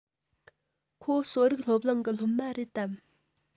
ཁོ གསོ རིག སློབ གླིང གི སློབ མ རེད དམ